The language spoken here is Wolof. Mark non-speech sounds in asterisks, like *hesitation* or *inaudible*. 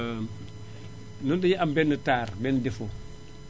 *hesitation* ñun danu am benn tare benn défaut